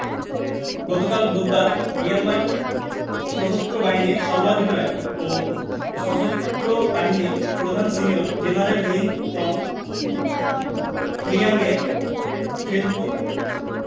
গতকাল বুধবার মিয়ানমার সশস্ত্র বাহিনীর সর্বাধিনায়ক ও সশস্ত্র বাহিনীর প্রধান সিনিয়র জেনারেল মিন অং হ্লিয়াংয়ের ফেসবুক